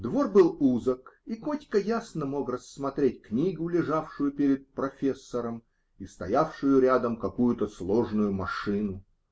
двор был узок, и Котька ясно мог рассмотреть книгу, лежавшую перед "профессором", и стоявшую рядом какую-то сложную машину.